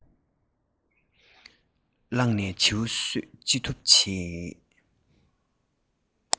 བརྒྱུགས ནས བྱིའུ གསོད ཅི ཐུབ བྱེད